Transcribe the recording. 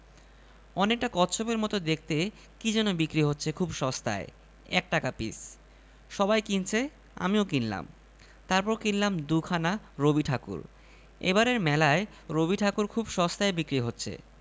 তিনটি আমার নিজের অন্যটি ধার করা গিয়ে দেখি কুম্ভমেলার ভিড় ঢাকা শহরের অর্ধেক লোক এসে উপস্থিত মাটির হাঁড়িকুরি যাই দেখছে তাই তারা কিনে ফেলছে